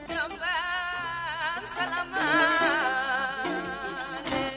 Denkɛnɛba